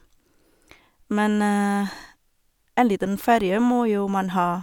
Men en liten ferie må jo man ha.